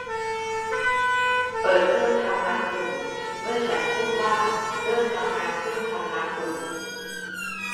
เปิดเครื่องทำน้ำอุ่นเมื่อฉันพูดว่าเริ่มทำงานเครื่องทำน้ำอุ่น